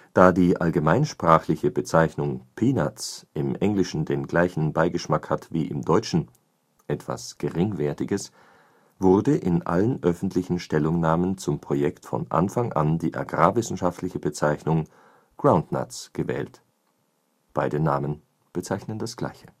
Da die allgemeinsprachliche Bezeichnung Peanuts im Englischen den gleichen Beigeschmack hat, wie im Deutschen (etwas Geringwertiges), wurde in allen öffentlichen Stellungnahmen zum Projekt von Anfang an die agrarwissenschaftliche Bezeichnung Groundnuts gewählt. Beide Namen bezeichnen das gleiche